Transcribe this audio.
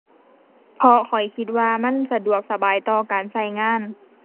เพราะข้อยคิดว่ามันสะดวกสบายต่อการใช้งาน